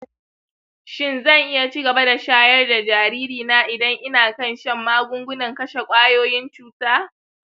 shin zan iya cigaba da shayar da jariri na idan ina kan shan magungunan kashe kwayoyin cuta